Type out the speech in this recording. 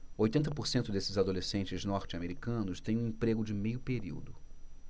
oitenta por cento desses adolescentes norte-americanos têm um emprego de meio período